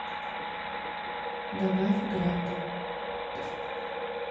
добавь гранды